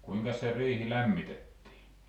kuinkas se riihi lämmitettiin